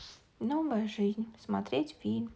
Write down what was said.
новая жизнь смотреть фильм